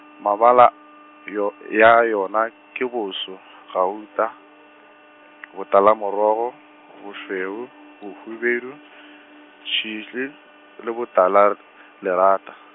mabala yo, ya yona ke boso, gauta , botala morogo, bošweu, bohubedu, tšhil- le botala l-, lerata.